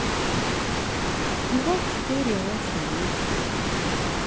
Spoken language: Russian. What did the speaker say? два четыре восемь десять